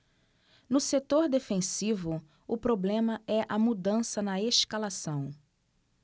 no setor defensivo o problema é a mudança na escalação